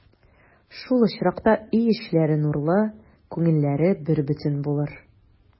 Шул очракта өй эчләре нурлы, күңелләре бербөтен булыр.